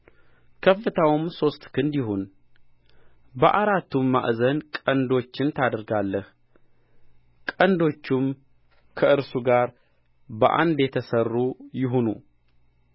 ከፍታውም ሦስት ክንድ ይሁን በአራቱም ማዕዘን ቀንዶችን ታደርጋለህ ቀንዶቹም ከእርሱ ጋር በአንድ የተሠሩ ይሁኑ